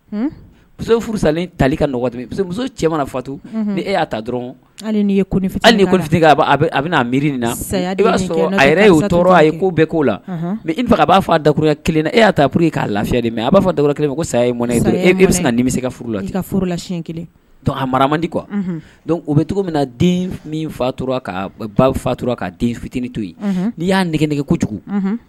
Tu miiria sɔrɔ' ye ko la b'a fɔ a dakuru kelen e y' k'a lafiya mɛn a b'a fɔ dara kelen ko saya mɔn bɛ se se ka furu ila kelen adi kuwa u bɛ cogo min na den minturatura fitinin toi y'a nɛgɛge